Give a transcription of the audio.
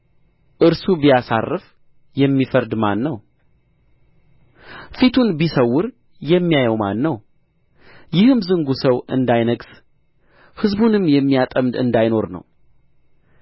እርሱ ቢያሳርፍ የሚፈርድ ማን ነው ፊቱንስ ቢሰውር የሚያየው ማን ነው ይህም ዝንጉ ሰው እንዳይነግሥ ሕዝቡም የሚያጠምድ እንዳይኖር ነው